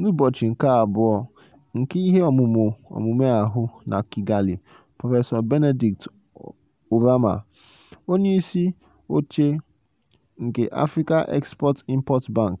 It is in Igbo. N'ụbọchị nke abụọ nke ihe omume ahụ na Kigali, prọfesọ Benedict Oramah, onye isi oche nke African Export-Import Bank (Afreximbank)